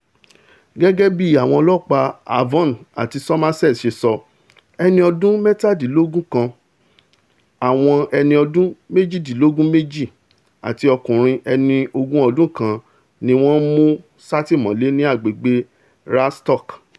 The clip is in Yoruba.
Gẹgẹ bíi àwọn Ọlọ́ọ̀pá Avon àti Somerset ṣe sọ, ẹni ọdún mẹ́tadínlógún kan, àwọn ẹni ọdún méjìdínlógún méji àti ọkùnrin ẹni ogún ọdún kan ní wọ́n mú ṣátìmọ́lé ní agbègbè Radstock.